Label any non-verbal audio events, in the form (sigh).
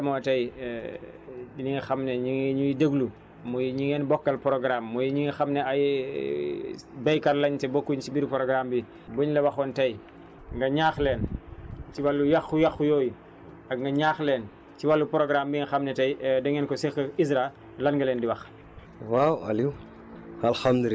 (hesitation) Fane (hesitation) bu ñu demoo tey (hesitation) ñi nga xam ne éni ngi ñuy déglu muy ñi ngeen bokkal programe muy ñi nga xam ne ay (hesitation) béykat lañ te bokkuñ si biir programme bi buñ la waxoon tey nga ñaax leen (noise) si wàllu yàqu-yàqu yooyu ak nga ñaax leen ci wàllu programme bi nga xam ne tey (hesitation) dangeen ko seq ISRA lan nga leen di wax